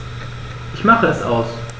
Ich mache es aus.